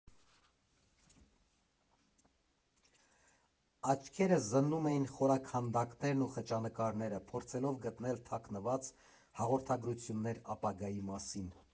Աչքերս զննում էին խորաքանդակներն ու խճանկարները՝ փորձելով գտնել թաքնված հաղորդագրություններ ապագայի մասին։